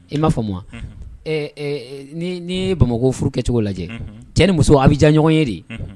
I m'a fɔ ma ni bamakɔ furu kɛcogo lajɛ cɛ ni muso a bɛ jan ɲɔgɔn ye de